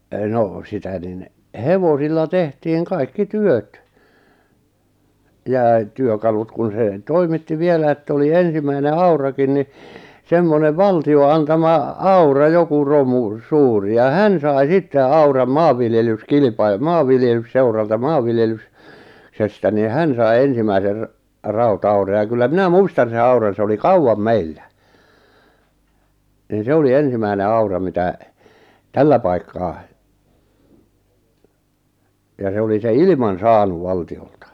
no sitä niin hevosilla tehtiin kaikki työt ja - työkalut kun se toimitti vielä että oli ensimmäinen aurakin niin semmoinen valtion antama aura joku romu suuri ja hän sai sitten auran - maanviljelysseuralta - maanviljelyksestä niin hän sai ensimmäisen rauta-auran ja kyllä minä muistan sen auran se oli kauan meillä niin se oli ensimmäinen aura mitä tällä paikkaa ja se oli se ilman saanut valtiolta